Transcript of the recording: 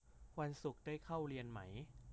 วันศุกร์ได้เข้าเรียนมั้ย